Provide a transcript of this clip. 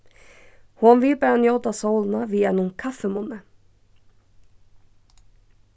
hon vil bara njóta sólina við einum kaffimunni